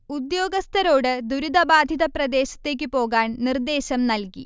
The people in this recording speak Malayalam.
ഉദ്യോഗസഥരോട് ദുരിതബാധിത പ്രദേശത്തേക്ക് പോകാൻ നിർദേശം നൽകി